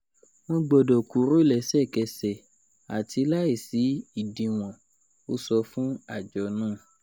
"Wọn gbọdọ kúrò lẹsẹkẹsẹ ati laisi idinwọn," o sọ fun ajọ naa.